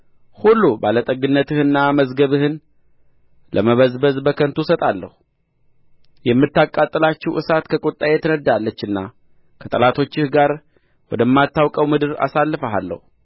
ሁሉ ባለጠግነትህንና መዝገብህን ለመበዝበዝ በከንቱ እሰጣለሁ የምታቃጥላችሁ እሳት ከቍጣዬ ትነድዳለችና ከጠላቶችህ ጋር ወደማታውቀው ምድር አሳልፍሃለሁ